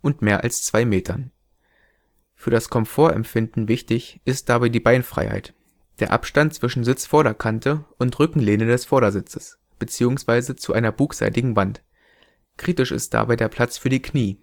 und mehr als 2 Metern. Für das Komfortempfinden wichtig ist dabei die Beinfreiheit, der Abstand zwischen Sitzvorderkante und Rückenlehne des Vordersitzes bzw. zu einer bugseitigen Wand; kritisch ist dabei der Platz für die Knie.